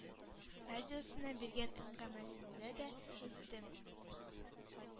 Радиосына биргән әңгәмәсендә дә әйтте.